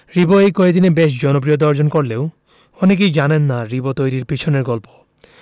রিবো এই কয়দিনে বেশ জনপ্রিয়তা অর্জন করলেও অনেকেই জানেন না রিবো তৈরির পেছনের গল্প